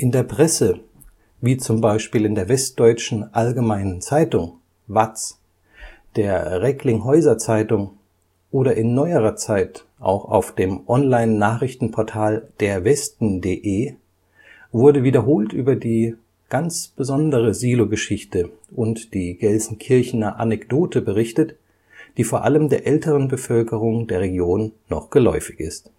der Presse, wie z. B. in der Westdeutschen Allgemeinen Zeitung (WAZ), der Recklinghäuser Zeitung oder in neuerer Zeit auch auf dem Online-Nachrichtenportal DerWesten.de, wurde wiederholt über die „ ganz besondere [Silo -] Geschichte “und die „ [Gelsenkirchener] Anekdote “berichtet, die vor allem der älteren Bevölkerung der Region noch geläufig ist